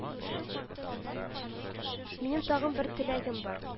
Минем тагын бер теләгем бар: